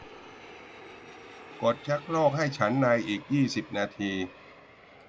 กดชักโครกให้ฉันในอีกยี่สิบนาที